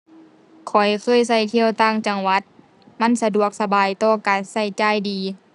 ข้อยเคยใช้เที่ยวต่างจังหวัด มันสะดวกสบายต่อการใช้จ่ายดี